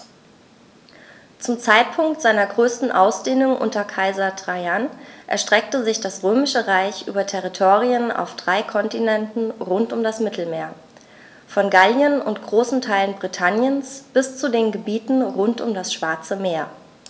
Zum Zeitpunkt seiner größten Ausdehnung unter Kaiser Trajan erstreckte sich das Römische Reich über Territorien auf drei Kontinenten rund um das Mittelmeer: Von Gallien und großen Teilen Britanniens bis zu den Gebieten rund um das Schwarze Meer.